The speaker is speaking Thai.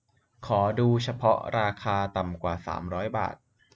ขอดูเฉพาะราคาต่ำกว่าสามร้อยบาท